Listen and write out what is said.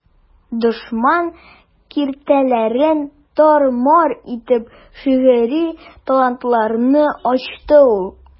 Дошман киртәләрен тар-мар итеп, шигъри талантларны ачты ул.